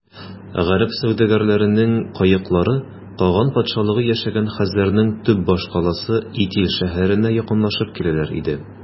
Гарәп сәүдәгәренең каеклары каган патшалыгы яшәгән хәзәрнең төп башкаласы Итил шәһәренә якынлашып киләләр иде.